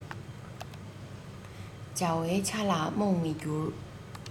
བྱ བའི ཆ ལ རྨོངས མི འགྱུར